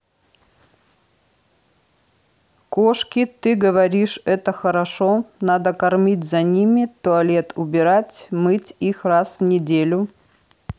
кошки ты говоришь это хорошо надо кормить за ними туалет убирать мыть их раз в неделю